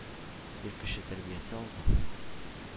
Ир кеше тәрбиясе алдым.